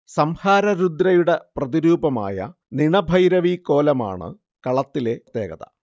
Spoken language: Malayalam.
സംഹാര രുദ്രയുടെ പ്രതിരൂപമായ നിണഭൈരവി കോലമാണ് കളത്തിലെ പ്രത്യേകത